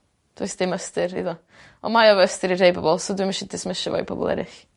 Does dim ystyr iddo. Ond mae o efe ystyr i rhei bobol so dwi'm isio dismisio fo i pobol eryll.